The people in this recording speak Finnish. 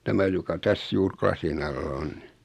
tämä joka tässä juuri lasin alla on niin